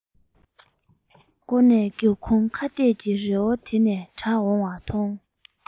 སྒོ ནས སྒེའུ ཁུང ཁ གཏད ཀྱི རི བོ དེ ནས གྲགས འོང བ ཐོས